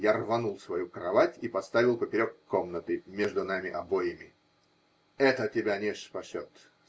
Я рванул свою кровать и поставил поперек комнаты, между нами обоими. -- Это тебя не спасет!